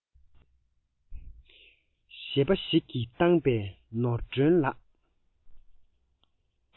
གཞས པ ཞིག གིས བཏང པའི ནོར སྒྲོན ལགས